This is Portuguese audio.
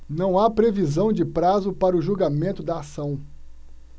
não há previsão de prazo para o julgamento da ação